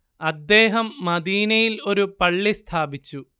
അദ്ദേഹം മദീനയിൽ ഒരു പള്ളി സ്ഥാപിച്ചു